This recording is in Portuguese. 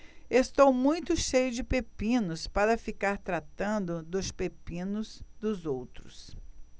estou muito cheio de pepinos para ficar tratando dos pepinos dos outros